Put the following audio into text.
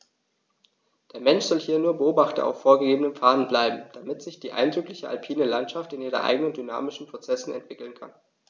Der Mensch soll hier nur Beobachter auf vorgegebenen Pfaden bleiben, damit sich die eindrückliche alpine Landschaft in ihren eigenen dynamischen Prozessen entwickeln kann.